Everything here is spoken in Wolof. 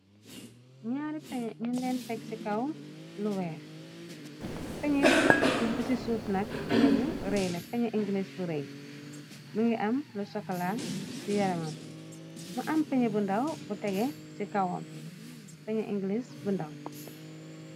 N'aari peñ ñuñ leen teg ci kaw lu weex peñ bu ci suuf nak peñ bu rëy la peñ inglis bu rëy mi ngi am lu sokalaal ci yaramambi ma am peñ bu ndaw bu tege ci kawam peñ inglis bu ndaw.